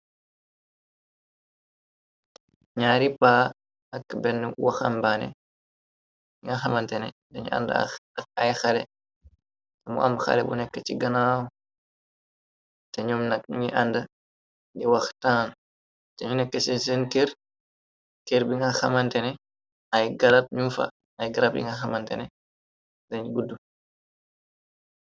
N'aari paa ak benn waxambaane yi nga xamantene dañu ànd ay xale samu am xale bu nekk ci ganaaw te ñoom nak ñu ngi ànd di wax taan te ñu nekk ci seen kër bi nga xamantene ay garab ñu fa ay garab yi nga xamantene dañ gudd.